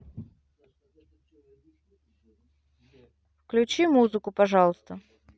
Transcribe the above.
включи музыку пожалуйста